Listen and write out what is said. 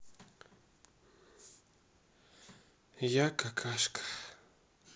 я какашка